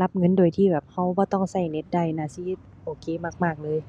รับเงินโดยที่แบบก็บ่ต้องก็เน็ตได้ น่าสิแบบโอเคมากมากเลย